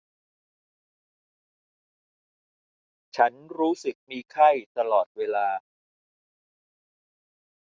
ฉันรู้สึกมีไข้ตลอดเวลา